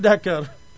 d' accord